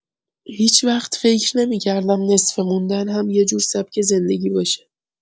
هیچ‌وقت فکر نمی‌کردم نصفه موندن هم یه جور سبک زندگی بشه.